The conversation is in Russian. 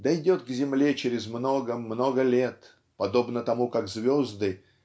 дойдет к земле через много много лет подобно тому как звезды